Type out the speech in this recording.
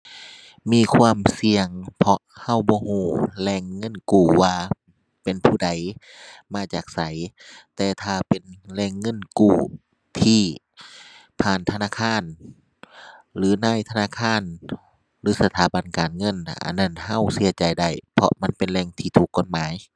มีความเสี่ยง เพราะเราบ่เราแหล่งเงินกู้ว่าเป็นผู้ใด มาจากไส แต่ถ้าเป็นแหล่งเงินกู้ที่ผ่านธนาคารหรือนายธนาคารหรือสถาบันการเงินน่ะ อันนั้นเราเราใจได้ เพราะมันเป็นแหล่งที่ถูกกฎหมาย